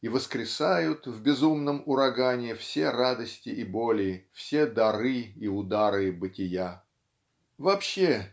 и воскресают в безумном урагане все радости и боли все дары и удары бытия. Вообще